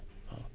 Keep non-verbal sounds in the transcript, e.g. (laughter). (hesitation) (hesitation)